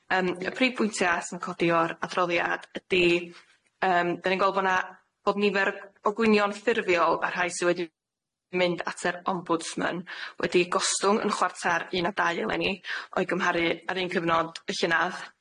Yym y prif pwyntia' sy'n codi o'r addroddiad ydi, yym 'dan ni'n gweld bo' 'na bod nifer o gwynion ffurfiol a rhai sy wedi mynd at yr ombwdsman wedi gostwng yn chwarter un a dau eleni o'i gymharu ar un cyfnod y llynadd.